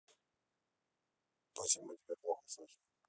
фламес оф лайф